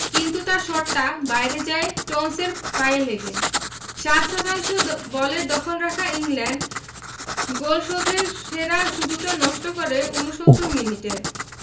কিন্তু তাঁর শটটা বাইরে যায় স্টোনসের পায়ে লেগে ৬০ শতাংশ বলের দখল রাখা ইংল্যান্ড গোল শোধের সেরা সুযোগটা নষ্ট করে ৬৯ মিনিটে